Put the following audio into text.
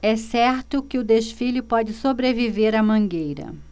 é certo que o desfile pode sobreviver à mangueira